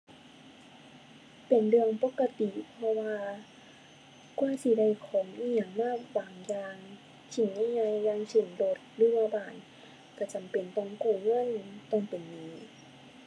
เป็นเรื่องปกติ เพราะว่ากว่าสิได้ของอิหยังมาบางอย่างชิ้นใหญ่ใหญ่ อย่างเช่นรถหรือว่าบ้าน ก็จำเป็นต้องกู้เงิน ต้องเป็นหนี้